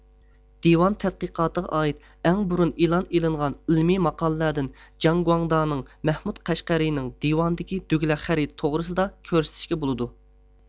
دىۋان تەتقىقاتىغا ئائىت ئەڭ بۇرۇن ئېلان ئېلىنغان ئىلمىي ماقالىلەردىن جاڭ گۇاڭدانىڭ مەھمۇد قەشقەرىنىڭ دىۋانىدىكى دۆگلەك خەرىتە توغرىسىدا كۆرسىتىشكە بولىدۇ